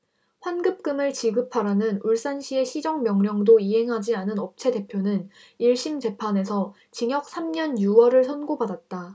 환급금을 지급하라는 울산시의 시정명령도 이행하지 않은 업체대표는 일 심 재판에서 징역 삼 년 유 월을 선고받았다